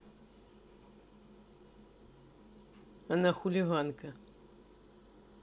она хулиганка